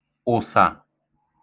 ụ̀sà